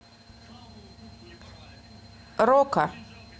рока